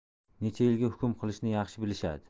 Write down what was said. necha yilga hukm qilishni yaxshi bilishadi